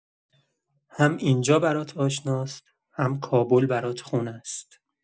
هم اینجا برات آشناست، هم کابل برات خونه‌ست.